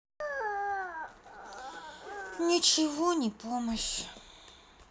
ничего не помощь